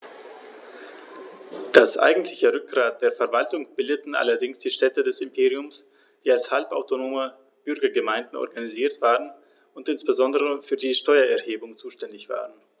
Das eigentliche Rückgrat der Verwaltung bildeten allerdings die Städte des Imperiums, die als halbautonome Bürgergemeinden organisiert waren und insbesondere für die Steuererhebung zuständig waren.